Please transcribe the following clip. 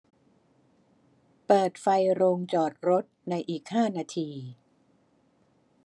เปิดไฟโรงจอดรถในอีกห้านาที